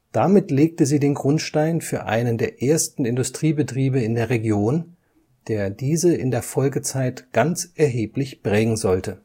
Damit legte sie den Grundstein für einen der ersten Industriebetriebe in der Region, der diese in der Folgezeit ganz erheblich prägen sollte